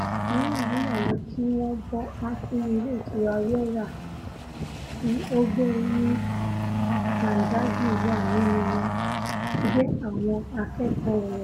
Àwọn mìíràn nínú àwọn tó bọ́há sínú Ilé Ìtura Roa Roa, tí Ọ̀gbẹ́ni Mandagi wà nínú wọn, jé àwọn akẹ́kọ̀ọ́ rẹ̀.